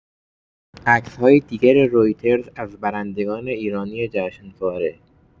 عکس‌های دیگر رویترز از برندگان ایرانی جشنواره